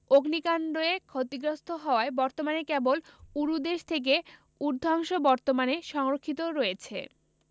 অগ্নিকান্ডে ক্ষতিগ্রস্থ হওয়ায় বর্তমানে কেবল উরুদেশ থেকে উর্ধ্বাংশ বর্তমানে সংরক্ষিত রয়েছে